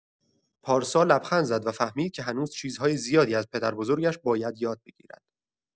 پارسا لبخند زد و فهمید که هنوز چیزهای زیادی از پدربزرگش باید یاد بگیرد.